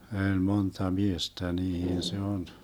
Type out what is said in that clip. oli monta miestä niihin se on